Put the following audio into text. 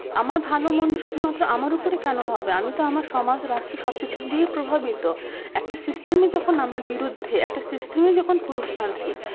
আমার ভালো-মন্দ শুধুমাত্র আমার উপরই কেন হবে আমি তো আমার সমাজ রাষ্ট্র সবকিছু দিয়ে প্রভাবিত একটা সিস্টেমে যখন আমার বিরুদ্ধে সিস্টেমই যখন পুরুষতান্ত্রিক